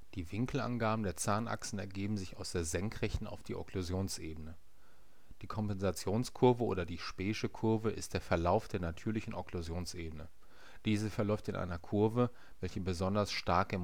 Die Winkelangaben (+),(-) der Zahnachsen ergeben sich aus der Senkrechten auf die Okklusionsebene (+ oder – zu 90°). Die Kompensationskurve oder die Spee'sche Kurve ist der Verlauf der natürlichen Okklusionsebene. Diese verläuft in einer Kurve, welche besonders stark